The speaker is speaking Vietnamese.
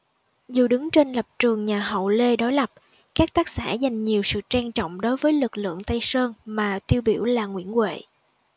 dù đứng trên lập trường nhà hậu lê đối lập các tác giả dành nhiều sự trang trọng đối với lực lượng tây sơn mà tiêu biểu là nguyễn huệ